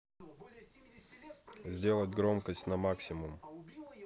сделать громкость на максимум